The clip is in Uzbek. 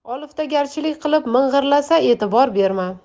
oliftagarchilik qilib ming'irlasa e'tibor berma